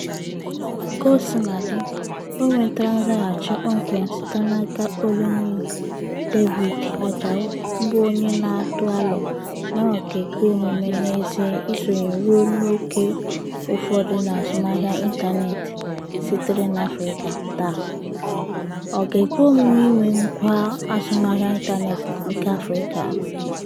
Kaosinadị, o nwetara nzaghachi kpọmkwem site n'aka Oluniyi David Ajao bụ onye na-atụ alo na ọ ga-ekwe omume n'ezie isonye ruo n'ókè ụfọdụ n'azụmahịa ịntaneetị sitere n'Afrịka, taa: Ọ ga-ekwe omume inwe ngwa azụmahịa ịntaneetị nke Afrịka?